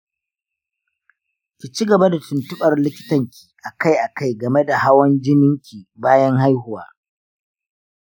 ki ci gaba da tuntuɓar likitanki akai-akai game da hawan jininki bayan haihuwa.